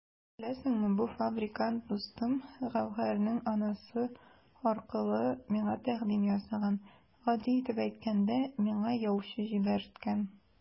Беләсеңме, бу фабрикант дустым Гәүһәрнең анасы аркылы миңа тәкъдим ясаган, гади итеп әйткәндә, миңа яучы җибәрткән!